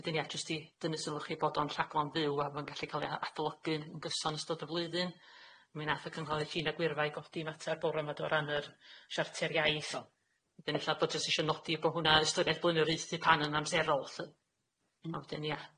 Wedyn ia jyst i dynnu sylwch chi bod o'n rhaglon fyw a ma'n gallu ca'l ia adolygu'n yn gyson ystod y flwyddyn, mi nath y cynghorair Llina Gwirfa i godi'n ata'r bore yma do ran yr siarteriaeth iaith. Wedyn ella bod jyst isio nodi bo' hwnna ystyriedd blynyrwydd di pan yn amserol lly, wedyn ia.